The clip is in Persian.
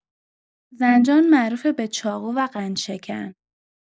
زنجان معروفه به چاقو و قندشکن.